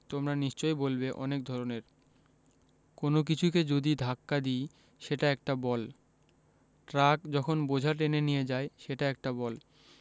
তোমরা নিশ্চয়ই বলবে অনেক ধরনের কোনো কিছুকে যদি ধাক্কা দিই সেটা একটা বল ট্রাক যখন বোঝা টেনে নিয়ে যায় সেটা একটা বল